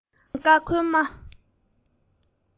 བཀའ ཆེམས ཀ ཁོལ མ